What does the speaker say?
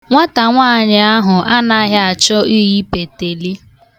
Nwata nwaanyi ahụ anaghị achọ iyi peteli